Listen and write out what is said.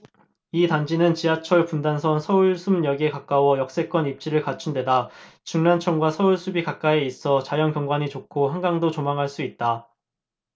이 단지는 지하철 분당선 서울숲역이 가까워 역세권 입지를 갖춘 데다 중랑천과 서울숲이 가까이에 있어 자연경관이 좋고 한강도 조망할 수 있다